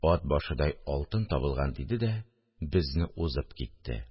– ат башыдай алтын табылган! – диде дә безне узып китте